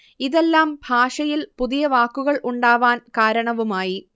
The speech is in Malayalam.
ഇതെല്ലാം ഭാഷയിൽ പുതിയ വാക്കുകൾ ഉണ്ടാവാൻ കാരണവുമായി